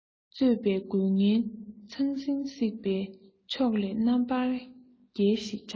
རྩོད པས རྒོལ ངན ཚང ཚིང བསྲེགས ཏེ ཕྱོགས ལས རྣམ པར རྒྱལ ཞེས གྲགས